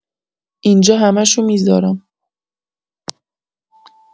اینجا همشو می‌زارم